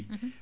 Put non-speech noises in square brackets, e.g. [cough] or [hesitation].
[hesitation] [hesitation]